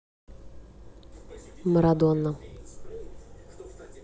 марадона